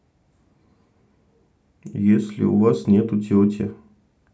если у вас нету тети